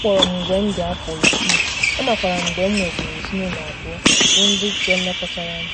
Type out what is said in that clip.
CB: A kpọọrọ m mgbe m dị afọ isii, amakwara m mgbe m nweburu ezinaụlọ abụọ bụ ndị nke lekọtara m.